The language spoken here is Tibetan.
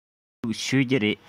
བོད ཐུག མཆོད ཀྱི རེད